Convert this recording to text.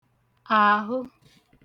àhụ